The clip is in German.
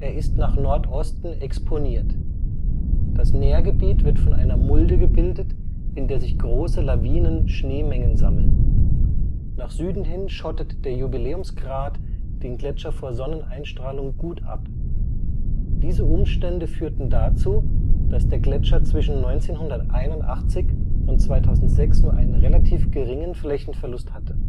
ist nach Nordosten exponiert. Das Nährgebiet wird von einer Mulde gebildet, in der sich große Lawinen-Schneemengen sammeln. Nach Süden hin schottet der Jubiläumsgrat den Gletscher vor Sonneneinstrahlung gut ab. Diese Umstände führten dazu, dass der Gletscher zwischen 1981 und 2006 nur einen relativ geringen Flächenverlust hatte